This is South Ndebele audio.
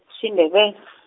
siNdebe- .